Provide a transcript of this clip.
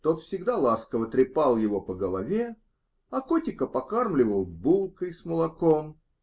Тот всегда ласково трепал его по голове, а котика покармливал булкой с молоком.